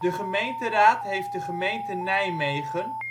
gemeenteraad heeft de gemeente Nijmegen